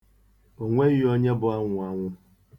E nweghị onye bụ anwụanwụ.